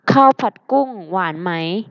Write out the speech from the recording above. ข้าวผัดกุ้งหวานไหม